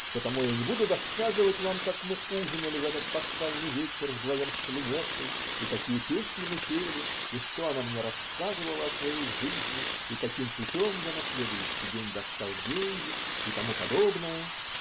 И потому я не буду досказывать вам, как мы ужинали в этот пасхальный вечер вдвоем с Линеттой и какие песни мы пели, и что она мне рассказывала о своей жизни, и каким путем я на следующий день достал деньги, и тому подобное.